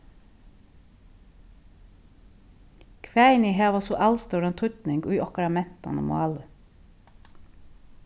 kvæðini hava so alstóran týdning í okkara mentan og máli